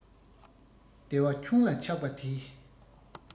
བདེ བ ཆུང ལ ཆགས པ དེས